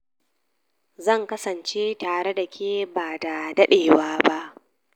Zan kasance tare da ke ba da dadewa ba.